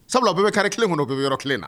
Sabula bɛɛ bɛ kari kelen kɔnɔ bɛ yɔrɔ kelen na